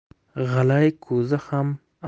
g'ilay ko'zi ham